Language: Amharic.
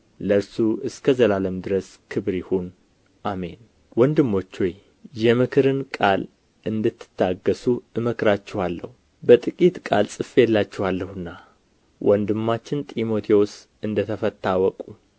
ለእርሱ እስከ ዘላለም ድረስ ክብር ይሁን አሜን ወንድሞች ሆይ የምክርን ቃል እንድትታገሡ እመክራችኋለሁ በጥቂት ቃል ጽፌላችኋለሁና ወንድማችን ጢሞቴዎስ እንደ ተፈታ እወቁ